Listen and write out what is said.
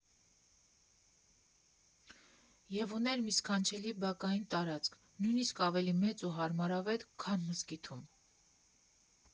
Եվ ուներ մի սքանչելի բակային տարածք, նույնիսկ ավելի մեծ ու հարմարավետ, քան մզկիթում։